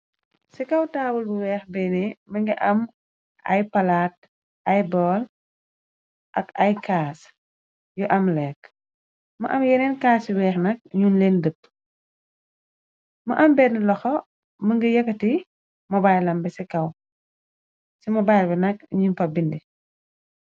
ci kaw taawal bu weex binni më ngi am ay palaat ay boll ak ay caas yu am leck ma am yeneen kaas ci weex nag ñuñ leen dëpp ma am benn loxo më nga yakkati mo bàylam bi ci kaw ci mo bayl bi nag ñuñ pa bindi